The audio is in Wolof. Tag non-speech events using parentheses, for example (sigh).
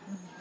(hesitation) (hesitation)